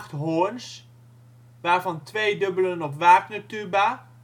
hoorns (waarvan twee dubbelen op Wagnertuba